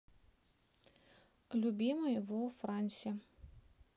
любимый во франсе